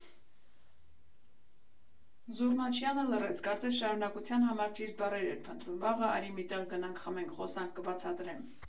֊ Զուռնաչյանը լռեց, կարծես շարունակության համար ճիշտ բառեր էր փնտրում, ֊ վաղը արի մի տեղ գնանք խմենք, խոսանք՝ կբացատրեմ։